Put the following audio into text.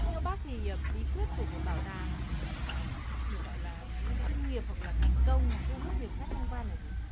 theo bác thì bí quyết của một bảo tàng được gọi là ví dụ chuyên nghiệp hoặc là thành công hoặc thu hút nhiều khách tham quan là gì